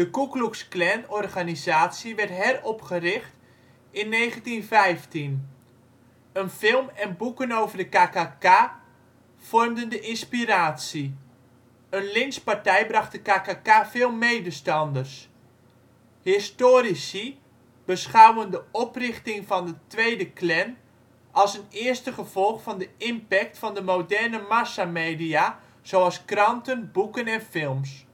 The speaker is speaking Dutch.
Ku Klux Klan organisatie werd heropgericht in 1915. Een film en boeken over de KKK vormden de inspiratie. Een lynchpartij bracht de KKK veel medestanders. Historici beschouwen de oprichting van de tweede Klan als een eerste gevolg van de impact van de moderne massamedia zoals kranten, boeken en films